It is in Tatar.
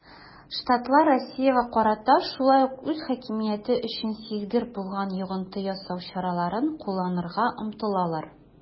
Штатлар Россиягә карата шулай ук үз хакимияте өчен сизгер булган йогынты ясау чараларын кулланырга омтылалар.